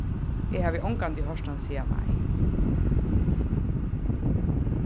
eg havi ongantíð hoyrt hann siga nei